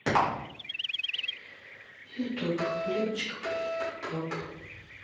ютуб девочка поет про папу